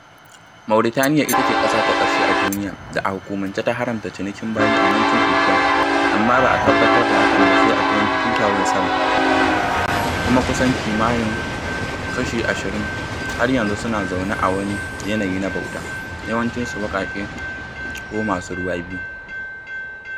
Mauritaniya ita ce ƙasa ta ƙarshe a duniya da a hukumance ta haramta cinikin bayi a 1981, amma ba a tabbatar da hakan ba sai a 2007 kuma kusan kimanin kashi 20 har yanzu suna zaune a wani yanayi na bauta, yawancinsu baƙaƙe ko masu ruwa biyu.